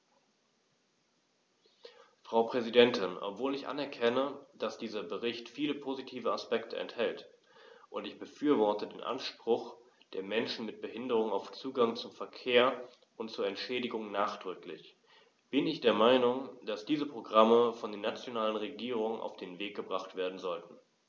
Frau Präsidentin, obwohl ich anerkenne, dass dieser Bericht viele positive Aspekte enthält - und ich befürworte den Anspruch der Menschen mit Behinderung auf Zugang zum Verkehr und zu Entschädigung nachdrücklich -, bin ich der Meinung, dass diese Programme von den nationalen Regierungen auf den Weg gebracht werden sollten.